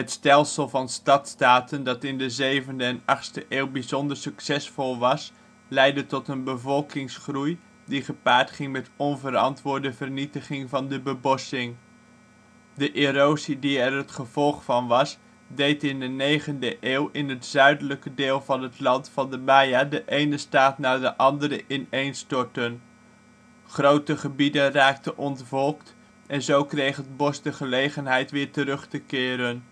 stelsel van stadstaten dat in de 7e en 8e eeuw bijzonder succesvol was leidde tot een bevolkingsgroei die gepaard ging met onverantwoorde vernietiging van de bebossing. De erosie die er het gevolg van was deed in de 9e eeuw in het zuidelijk deel van het land van de Maya de ene staat na de andere ineenstorten. Grote gebieden raakten ontvolkt en zo kreeg het bos de gelegenheid weer terug te keren